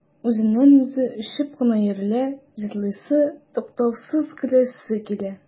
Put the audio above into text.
Үзеннән-үзе очып кына йөрелә, җырлыйсы, туктаусыз көләсе килә.